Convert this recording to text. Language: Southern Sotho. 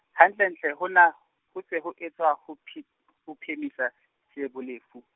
hantlentle hona, ho se ho etswa, ho phe- , ho phemisa Seobi lefu.